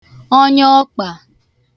ọnyaọkpà